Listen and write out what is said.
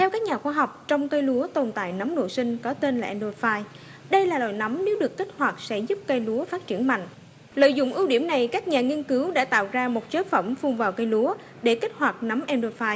theo các nhà khoa học trong cây lúa tồn tại nóng nội sinh có tên là en đô phai đây là loại nấm nếu được kích hoạt sẽ giúp cây lúa phát triển mạnh lợi dụng ưu điểm này các nhà nghiên cứu đã tạo ra một chế phẩm phun vào cây lúa để kích hoạt nấm en đô phai